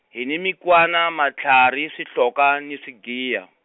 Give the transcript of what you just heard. hi ni mikwana matlhari swihloka ni swigiya.